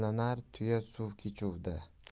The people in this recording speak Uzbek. bilinar tuya suv kechuvda